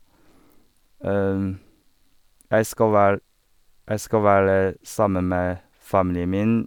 jeg skal vær Jeg skal være sammen med familien min...